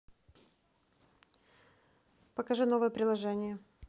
покажи новые приложения